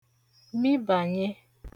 mịbànye